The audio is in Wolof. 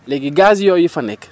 léegi gaz yooyu fa nekk